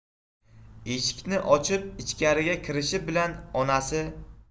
eshikni ochib ichkari kirishi bilan onasi